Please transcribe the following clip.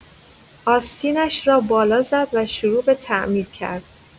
آستینش را بالا زد و شروع به تعمیر کرد.